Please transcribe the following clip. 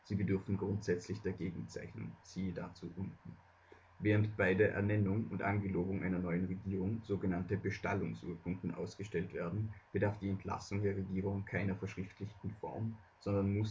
bedürfen grundsätzlich der Gegenzeichnung (siehe dazu unten). Während bei der Ernennung und Angelobung einer neuen Regierung sogenannte Bestallungsurkunden ausgestellt werden, bedarf die Entlassung der Regierung keiner verschriftlichten Form, sondern